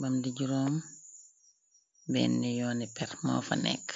bam di juróom benni yooni permoo fa nekk.